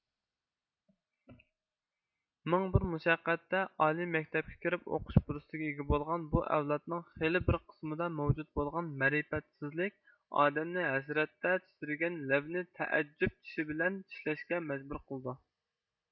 مىڭ بىر مۇشەققەتتە ئالىي مەكتەپكە كىرىپ ئوقۇش پۇرسىتىگە ئىگە بولغان بۇ ئەۋلادنىڭ خېلى بىر قىسىمىدا مەۋجۇد بولغان مەرىپەتسىزلىك ئادەمنى ھەسرەتتە تىتىرىگەن لەۋنى تەئەججۈب چىشى بىلەن چىشلەشكە مەجبۇر قىلىدۇ